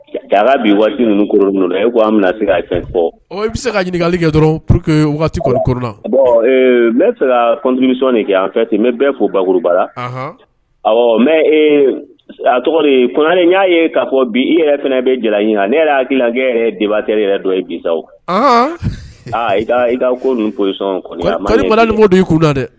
Jaa bi waati ninnu kuru ninnu e ko an bɛna se ka fɛn fɔ i bɛ se ka ɲininkalikɛ dɔrɔn pur que waati la bɔn n fɛsɔn de kɛ an fɛ ten ne bɛ fo baakuruba la ɔ mɛ a tɔgɔ kolen y'a ye k'a fɔ bi i yɛrɛ fana bɛ jala in na ne hakiliila debatɛ yɛrɛ don ye bisa aa i ka ko polisɔn ni don ii kun na dɛ